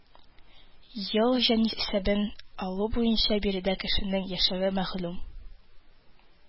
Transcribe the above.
Ел җанисәбен алу буенча биредә кешенең яшәве мәгълүм